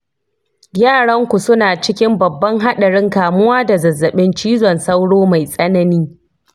yaranku suna cikin babban haɗarin kamuwa da zazzabin cizon sauro mai tsanani.